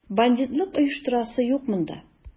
Бандитлык оештырасы юк монда!